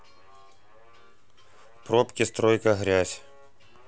пробки стройка грязь